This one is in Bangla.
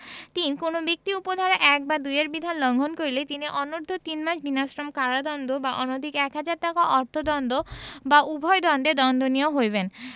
৩ কোন ব্যক্তি উপ ধারা ১ বা ২ এর বিধান লংঘন করিলে তিনি অনূর্ধ্ব তিনমাস বিনাশ্রম কারাদন্ড বা অনধিক এক হাজার টাকা অর্থ দন্ড অথবা উভয় দণ্ডে দন্ডনীয় হইবেন